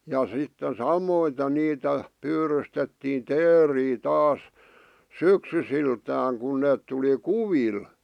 ja sitten samoiten niitä pyydystettiin teeriä taas syksyisiltänsä kun ne tuli kuville